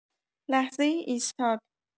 لحظه‌ای ایستاد